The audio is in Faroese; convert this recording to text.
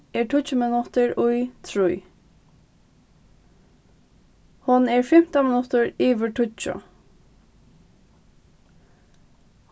er tíggju minuttir í trý hon er fimtan minuttur yvir tíggju